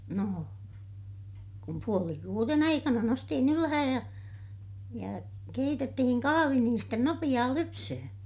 no kun puoli kuuden aikana noustiin ylös ja ja keitettiin kahvi niin sitten nopeaa lypsämään